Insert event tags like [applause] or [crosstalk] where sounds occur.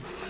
[hesitation] [hesitation]